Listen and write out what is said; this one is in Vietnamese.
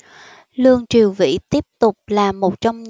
lương triều vĩ tiếp tục là một trong